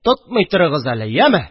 Тотмый торыгыз әле, яме